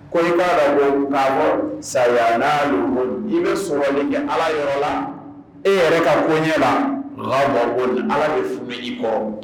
Ko i b'ala don kaa fɔ sayanaalukum i bɛ sokɔli kɛ Ala yɔrɔ la e yɛrɛ ka koɲɛ na rawbaboni Ala bɛ funu i kɔrɔ